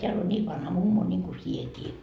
täällä on niin vanha mummo niin kuin sinäkin